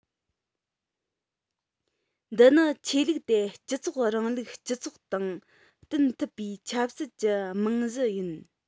འདི ནི ཆོས ལུགས དེ སྤྱི ཚོགས རིང ལུགས སྤྱི ཚོགས དང བསྟུན ཐུབ པའི ཆབ སྲིད ཀྱི རྨང གཞི ཡིན